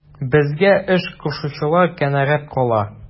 Безгә эш кушучылар канәгать кала.